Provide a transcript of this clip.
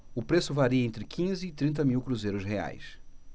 o preço varia entre quinze e trinta mil cruzeiros reais